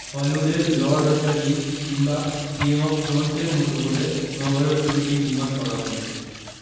হলিউডের Lord of the Rings কিংবা Game of Thrones এর মতো করে মহাভারত ছবিটি নির্মাণ করা হবে